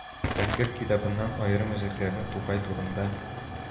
Бәкер китабыннан аерым өзекләрне Тукай турында